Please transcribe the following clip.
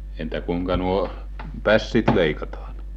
entä kuinka nuo pässit leikataan